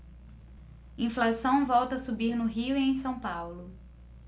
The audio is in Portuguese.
inflação volta a subir no rio e em são paulo